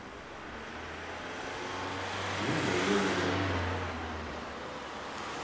мне надоело играть